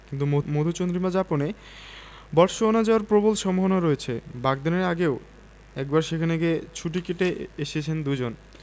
কিন্তু মধুচন্দ্রিমা যাপনে বটসওয়ানা যাওয়ার প্রবল সম্ভাবনা রয়েছে বাগদানের আগেও একবার সেখানে গিয়ে ছুটি কাটে এসেছেন দুজন